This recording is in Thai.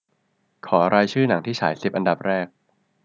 ขอรายชื่อหนังที่ฉายสิบอันดับแรก